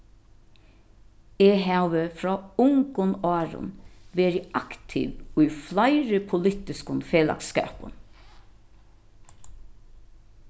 eg havi frá ungum árum verið aktiv í fleiri politiskum felagsskapum